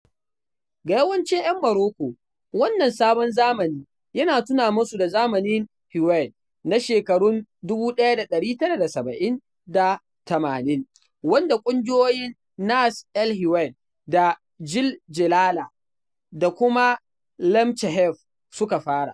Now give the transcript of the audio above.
Ga yawancin 'yan Moroko, wannan sabon zamani yana tuna musu da zamanin Ghiwane na shekarun 1970 da 80, wanda ƙungiyoyin Nass El Ghiwane da Jil Jilala da kuma Lemchaheb suka fara.